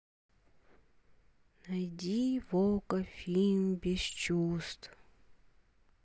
найди в окко фильм без чувств